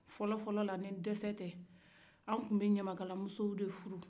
fɔlɔ fɔlɔ la ni dɛsɛ tɛ an kun bɛ ɲamakal musow de furu